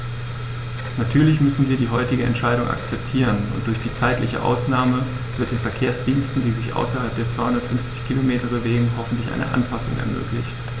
Natürlich müssen wir die heutige Entscheidung akzeptieren, und durch die zeitliche Ausnahme wird den Verkehrsdiensten, die sich außerhalb der 250 Kilometer bewegen, hoffentlich eine Anpassung ermöglicht.